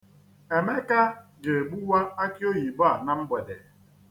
Emeka ga-egbuwa akị oyibo a na mgbede.